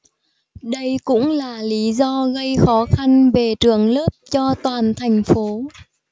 đây cũng là lý do gây khó khăn về trường lớp cho toàn thành phố